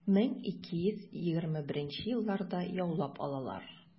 1221 елларда яулап алалар.